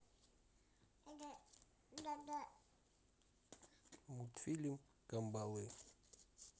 мультфильм камбалы